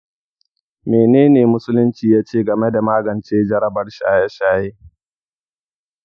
mene ne musulunci ya ce game da magance jarabar shaye-shaye?